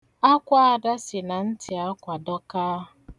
Akwa Ada si na ntị akwa dọkaa.